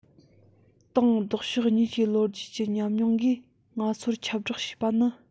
དྲང ལྡོག ཕྱོགས གཉིས ཀྱི ལོ རྒྱུས ཀྱི ཉམས མྱོང གིས ང ཚོར ཁྱབ བསྒྲགས བྱས པ ནི